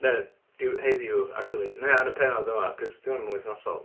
Neu diw- heddiw, acshyli, na ia, yn y pennod yma, achos di hwn ddim yn wythnosol.